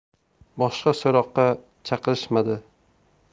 boshqa so'roqqa chaqirishmadi